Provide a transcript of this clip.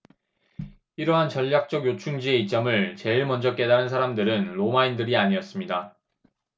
이러한 전략적 요충지의 이점을 제일 먼저 깨달은 사람들은 로마인들이 아니었습니다